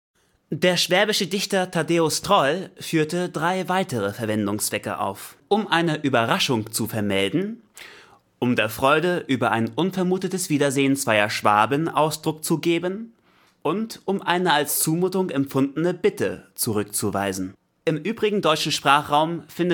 Thaddäus Troll nannte als weitere Verwendungszwecke noch: „ um eine Überraschung zu vermelden “„ um der Freude über ein unvermutetes Wiedersehen zweier Schwaben […] Ausdruck zu geben “„ um eine als Zumutung empfundene Bitte zurückzuweisen “Der Gruß findet desgleichen Anwendung, wie auch im übrigen deutschen Sprachraum üblich